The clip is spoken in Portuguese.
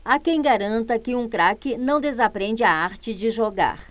há quem garanta que um craque não desaprende a arte de jogar